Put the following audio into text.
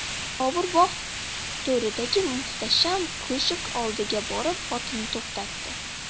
bobur bog' to'ridagi muhtasham ko'shk oldiga borib otini to'xtatdi